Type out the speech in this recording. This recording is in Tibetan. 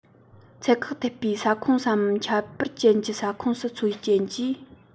ཚད བཀག ཐེབས པའི ས ཁོངས སམ ཁྱད པར ཅན གྱི ས ཁོངས སུ འཚོ བའི རྐྱེན གྱིས